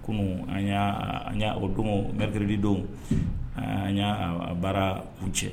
Kunun, an y'a an y'a mercredi don an y'a a baara kuncɛ